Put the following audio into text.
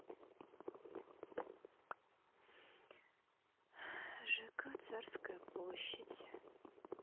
жк царская площадь